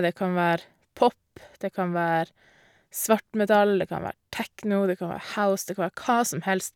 Det kan være pop, det kan være svartmetall, det kan være techno, det kan være house, det kan være hva som helst.